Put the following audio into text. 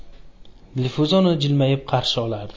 dilfuza uni jilmayib qarshi olardi